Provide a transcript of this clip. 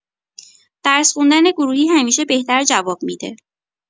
درس خوندن گروهی همیشه بهتر جواب می‌ده